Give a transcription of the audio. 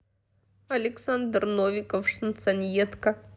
александр новиков шансоньетка